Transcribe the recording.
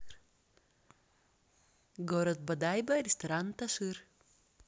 город бодайбо ресторан ташир